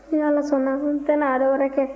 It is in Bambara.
ni ala sɔnna n tɛna a dɔ wɛrɛ kɛ